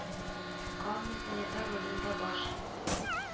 Калмый, санитар ролен дә баш